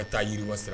A ka taa yiriba sara